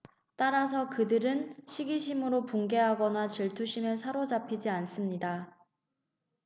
따라서 그들은 시기심으로 분개하거나 질투심에 사로잡히지 않습니다